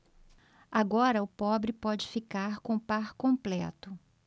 agora o pobre pode ficar com o par completo